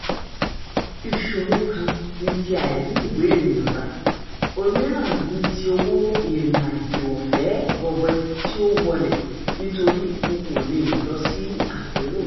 Ìṣòro kan ni ti àìrí ìwé ìrìnnà gbà, òmíràn ni ti owó ìrìnàjò ọ̀fẹ́ gọbọi tí ó wọlẹ̀ nítori n kò le è lọ si àpérò.